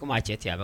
Ko'a cɛ tiɲɛ a